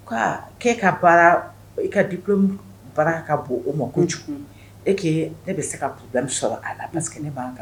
Ka kɛ ka i ka di baara ka bon o ma ko kojugu e ne bɛ se ka ku bɛ min sɔrɔ a la maseke ne b'a kan